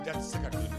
Jaa sa